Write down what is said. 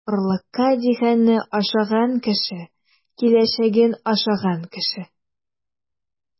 Орлыкка дигәнне ашаган кеше - киләчәген ашаган кеше.